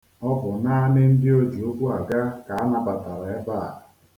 Ọ bụ naanị ndị ojiụkwụaga ka a nabtara ebe a.